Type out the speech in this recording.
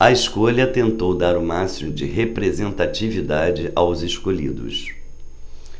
a escolha tentou dar o máximo de representatividade aos escolhidos